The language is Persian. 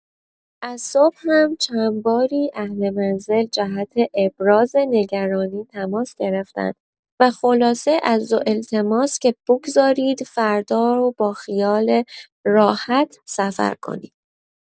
از صبح هم چند باری اهل منزل جهت ابراز نگرانی تماس گرفتند و خلاصه عز و التماس که بگزارید فردا و با خیال راحت سفر کنید.